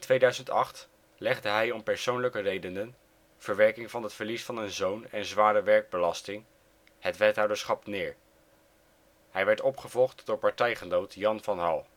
2008 legde hij om persoonlijke redenen (verwerking van het verlies van een zoon en zware werkbelasting) het wethouderschap neer. Hij werd opgevolgd door partijgenoot Jan van Hal